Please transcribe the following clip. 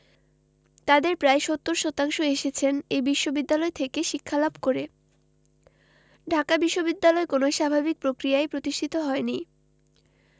তাঁদের প্রায় ৭০ শতাংশ এসেছেন এ বিশ্ববিদ্যালয় থেকে শিক্ষালাভ করে ঢাকা বিশ্ববিদ্যালয় কোনো স্বাভাবিক প্রক্রিয়ায় প্রতিষ্ঠিত হয়নি